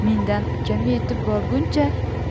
mendan ukamga yetib borguncha